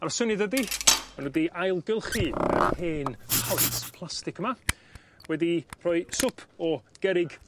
A'r syniad ydi ma' n'w 'di ailgylchu yr hen palets plastic yma, wedi rhoi swp o gerrig